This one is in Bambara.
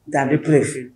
Dabi tulo